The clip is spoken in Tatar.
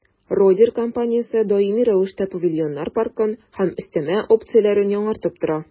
«родер» компаниясе даими рәвештә павильоннар паркын һәм өстәмә опцияләрен яңартып тора.